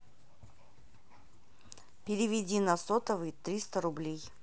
переведи на сотовый триста рублей